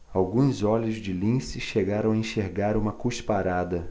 alguns olhos de lince chegaram a enxergar uma cusparada